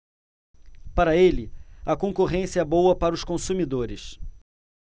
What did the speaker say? para ele a concorrência é boa para os consumidores